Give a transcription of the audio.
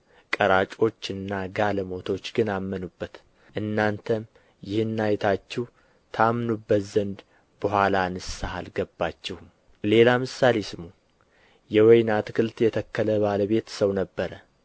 ቀራጮችና ጋለሞቶች ግን አመኑበት እናንተም ይህን አይታችሁ ታምኑበት ዘንድ በኋላ ንስሐ አልገባችሁም ሌላ ምሳሌ ስሙ የወይን አትክልት የተከለ ባለቤት ሰው ነበረ